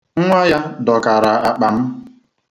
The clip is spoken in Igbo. Nwa ya dọkara akpa m.